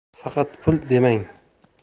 faqat pul demang